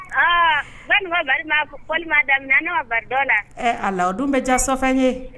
A balima balima paullima daminɛminɛna n'o ba dɔ la a la o dun bɛ jasɔfɛn n ye